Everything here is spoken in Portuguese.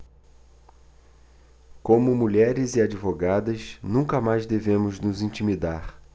como mulheres e advogadas nunca mais devemos nos intimidar